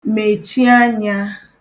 mèchi anyā